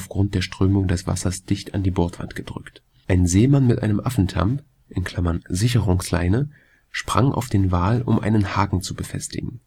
Grund der Strömung des Wassers dicht an die Bordwand gedrückt. Ein Seemann mit einem Affentamp (Sicherungsleine) sprang auf den Wal, um einen Haken zu befestigen